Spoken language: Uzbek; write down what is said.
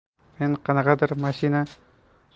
meni qanaqadir mashina